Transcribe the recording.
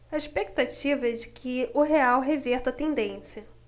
a expectativa é de que o real reverta a tendência